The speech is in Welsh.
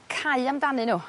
cau amdanyn n'w.